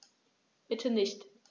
Bitte nicht.